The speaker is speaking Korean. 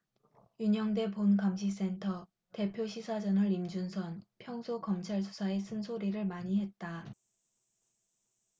윤영대 본감시센터 대표 시사저널 임준선 평소 검찰수사에 쓴소리를 많이 했다